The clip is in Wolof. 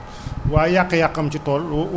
ndax war nañ warees nañ ko mën a xayma